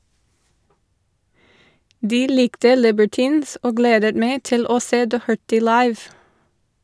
De likte Libertines og gledet meg til å se Doherty live.